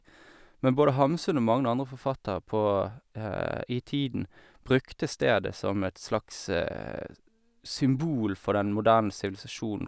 Men både Hamsun og mange andre forfattere på i tiden brukte stedet som et slags symbol for den moderne sivilasjonen.